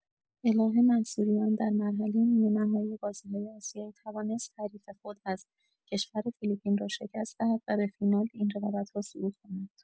الهه منصوریان در مرحله نیمه‌نهایی بازی‌های آسیایی توانست حریف خود از کشور فیلیپین را شکست دهد و به فینال این رقابت‌ها صعود کند.